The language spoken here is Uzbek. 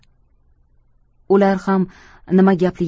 ular ham nima gapligiga